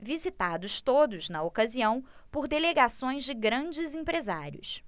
visitados todos na ocasião por delegações de grandes empresários